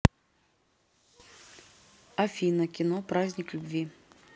афина кино праздник любви